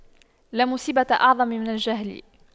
لا مصيبة أعظم من الجهل